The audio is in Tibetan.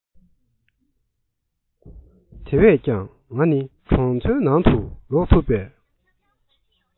དེ བས ཀྱང ང ནི གྲོང ཚོའི ནང དུ ལོག ཐུབ པས